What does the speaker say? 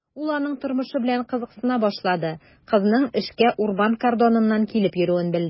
Ул аның тормышы белән кызыксына башлады, кызның эшкә урман кордоныннан килеп йөрүен белде.